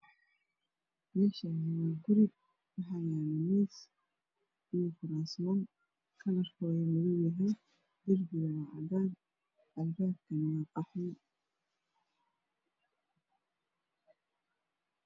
Meeshani waa guri waxaa yala miisas iyo kuraas kallarkoodu madoow yahay iyo debigana waa cadan albabkana waa qaxwi